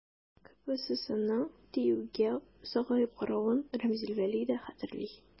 КПССның ТИҮгә сагаеп каравын Римзил Вәли дә хәтерли.